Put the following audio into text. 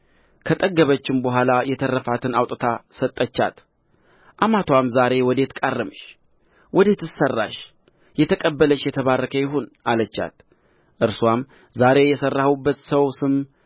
ከጠገበችም በኋላ የተረፋትን አውጥታ ሰጠቻት አማትዋም ዛሬ ወዴት ቃረምሽ ወዴትስ ሠራሽ የተቀበለሽ የተባረከ ይሁን አለቻት እርስዋም ዛሬ የሠራሁበት ሰው ስም